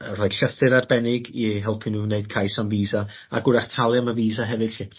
y' rhoi llythyr arbennig i eu helpu n'w wneud cais am visa ag 'w'rach talu am y visa hefyd 'lly.